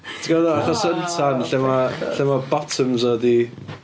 Tibod be dwi'n feddwl fatha sun tan... Bechod. ...Lle ma, lle ma bottoms fo 'di...